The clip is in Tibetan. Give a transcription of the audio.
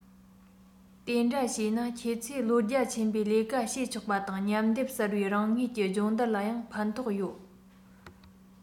དེ འདྲ བྱས ན ཁྱེད ཚོས བློ རྒྱ ཆེན པོས ལས ཀ བྱེད ཆོག པ དང མཉམ སྡེབ གསར པའི རང ངོས ཀྱི སྦྱོང བརྡར ལ ཡང ཕན ཐོགས ཡོད